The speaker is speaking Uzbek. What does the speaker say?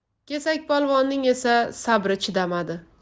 kesakpolvonning esa sabri chidamadi